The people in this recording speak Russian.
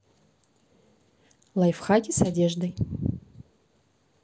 лайфхаки с одеждой